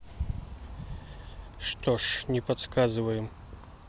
что ж не подсказываем